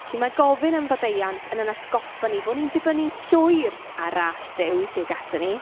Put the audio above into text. Felly, mae gofyn am faddeuant yn ein atgoffa ni bo' ni'n dibynnu llwyr ar râs Duw tuag aton ni.